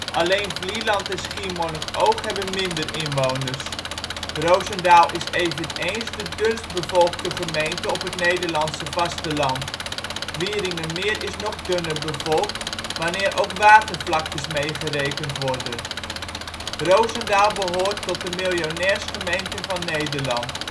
Alleen Vlieland en Schiermonnikoog hebben minder inwoners. Rozendaal is eveneens de dunstbevolkte gemeente op het Nederlandse vasteland (Wieringermeer is nog dunner bevolkt wanneer ook watervlaktes meegerekend worden). Rozendaal behoort tot de miljonairsgemeenten van Nederland